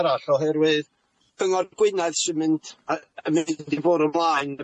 arall oherwydd cyngor Gwynedd sy'n mynd yy yn mynd i fwrw mlaen